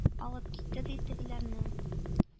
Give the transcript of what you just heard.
Алып китте, ди, тегеләрне.